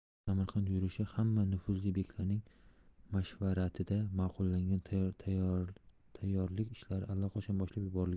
chunki samarqand yurishi hamma nufuzli beklarning mashvaratida maqullangan tayyorlik ishlari allaqachon boshlab yuborilgan